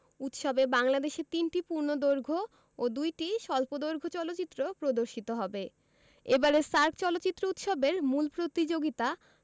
উৎসবে বাংলাদেশের ৩টি পূর্ণদৈর্ঘ্য ও ২টি স্বল্পদৈর্ঘ্য চলচ্চিত্র প্রদর্শিত হবে এবারের সার্ক চলচ্চিত্র উৎসবের মূল প্রতিযোগিতা